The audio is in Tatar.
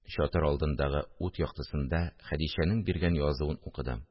Чатыр алдындагы ут яктысында Хәдичәнең биргән язуын укыдым